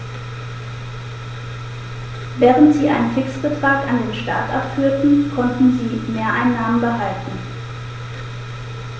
Während sie einen Fixbetrag an den Staat abführten, konnten sie Mehreinnahmen behalten.